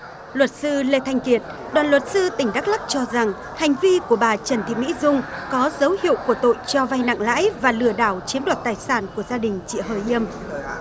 luật sư lê thanh kiệt đoàn luật sư tỉnh đắc lắc cho rằng hành vi của bà trần thị mỹ dung có dấu hiệu của tội cho vay nặng lãi và lừa đảo chiếm đoạt tài sản của gia đình chị hờ yêm